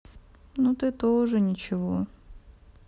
ну ты тоже ничего